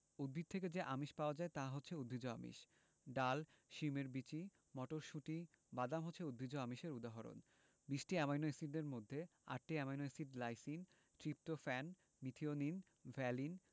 উদ্ভিদ থেকে যে আমিষ পাওয়া যায় তা উদ্ভিজ্জ আমিষ ডাল শিমের বিচি মটরশুঁটি বাদাম হচ্ছে উদ্ভিজ্জ আমিষের উদাহরণ ২০টি অ্যামাইনো এসিডের মধ্যে ৮টি amino acid lysine tryptophan methionine valine